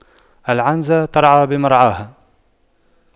العنزة ترعى بمرعاها